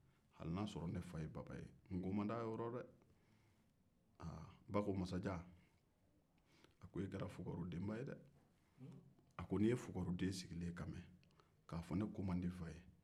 hali n'a y'a sɔrɔ ne fa ye baba ye n ko man di a ye ba ko masajan e kɛra fugaridenba ye dɛ n'i ye fugariden sigilen kan mɛn k' a fɔ ne ko man di n fa ye